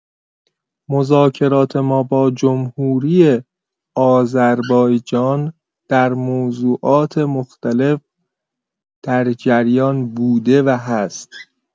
مذاکرات ما با جمهوری آذربایجان در موضوعات مختلف در جریان بوده و هست.